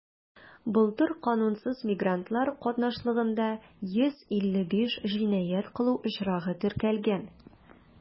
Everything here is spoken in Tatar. Былтыр канунсыз мигрантлар катнашлыгында 155 җинаять кылу очрагы теркәлгән.